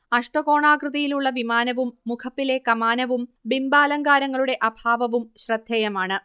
അഷ്ടകോണാകൃതിയിലുള്ള വിമാനവും മുഖപ്പിലെ കമാനവും ബിംബാലങ്കാരങ്ങളുടെ അഭാവവും ശ്രദ്ധേയമാണ്